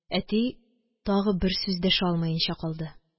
Әти тагы бер сүз дәшә алмаенча калды.